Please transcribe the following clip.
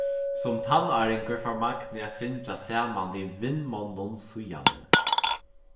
sum tannáringur fór magni at syngja saman við vinmonnum síðani